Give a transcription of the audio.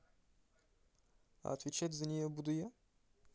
а отвечать за нее буду я